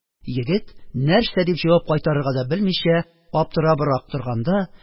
Егет нәрсә дип җавап кайтарырга да белмичә аптырабрак торганда